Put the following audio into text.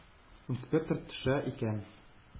Инспектор төшә икән.